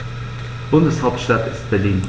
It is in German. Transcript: Bundeshauptstadt ist Berlin.